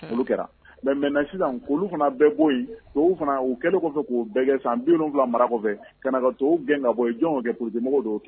Kɛra mais mɛɛna sisan oluolu fana bɛɛ bɔ yen fana u kɛlen kɔfɛ k'u bɛɛ kɛ san bifila mara kɔfɛ ka ka to gɛn ka bɔ jɔnw kɛ polidimɔgɔ dɔw kɛ